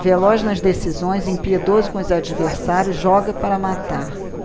veloz nas decisões impiedoso com os adversários joga para matar